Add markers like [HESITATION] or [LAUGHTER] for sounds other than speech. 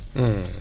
[HESITATION] [HESITATION]